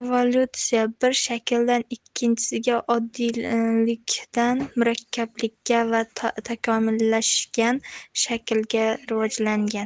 evolyutsiya bir shakldan ikkinchisiga oddiyilkdan murakkabroq va takomillashgan shaklga rivojlanish